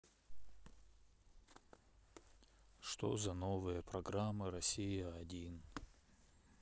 что за новые программы россия один